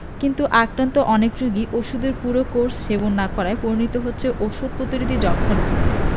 কিন্তু আক্রান্ত অনেক রোগী ওষুধের পুরো কোর্স সেবন না করায় পরিণত হচ্ছেন ওষুধ প্রতিরোধী যক্ষ্মা রোগীতে